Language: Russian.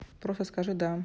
просто скажи да